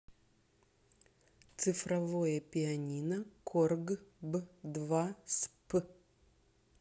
цифровое пианино корг б два сп